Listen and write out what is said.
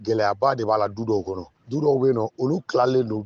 Gɛlɛya de b'a la kɔnɔ olu tilalen don